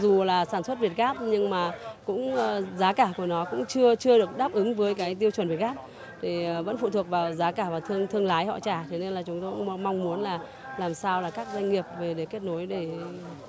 dù là sản xuất việt gáp nhưng mà cũng giá cả của nó cũng chưa chưa được đáp ứng với cái tiêu chuẩn việt gáp thì vẫn phụ thuộc vào giá cả và thương thương lái họ trả thế nên là chúng tôi cũng mong muốn là làm sao là các doanh nghiệp về để kết nối để